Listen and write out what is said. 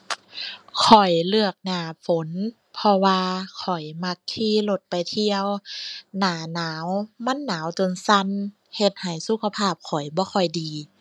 ข้อยเลือกหน้าฝน เพราะว่าข้อยมักขี่รถไปเที่ยว หน้าหนาวมันหนาวจนสั่นเฮ็ดให้สุขภาพข้อยบ่ค่อยดี